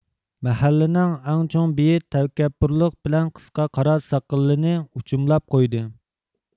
مەھەللىنىڭ ئەڭ چوڭ بېيى تەكەببۇرلۇق بىلەن قىسقا قارا ساقىلىنى ئوچۇملاپ قويدى